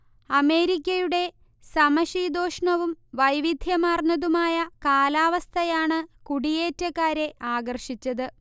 അമേരിക്കയുടെ സമശീതോഷ്ണവും വൈവിധ്യമാർന്നതുമായ കാലവസ്ഥയാണ് കൂടിയേറ്റക്കാരെ ആകർഷിച്ചത്